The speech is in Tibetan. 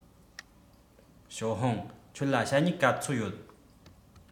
ཞའོ ཧུང ཁྱོད ལ ཞྭ སྨྱུག ག ཚོད ཡོད